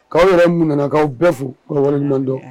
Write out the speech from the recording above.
K'aw yɛrɛ mun nanakaw bɛɛ foɲuman dɔn